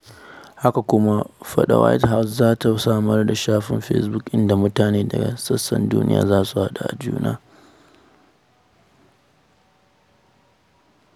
Haka kuma, Fada White House za ta samar da shafin Facebook, inda mutane daga sassan duniya za su haɗu da juna.